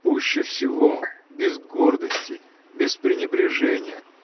— Пуще всего — без гордости, без пренебрежения!